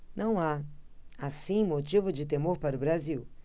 não há assim motivo de temor para o brasil